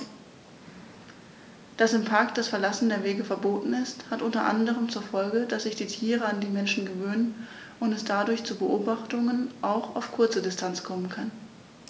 Dass im Park das Verlassen der Wege verboten ist, hat unter anderem zur Folge, dass sich die Tiere an die Menschen gewöhnen und es dadurch zu Beobachtungen auch auf kurze Distanz kommen kann.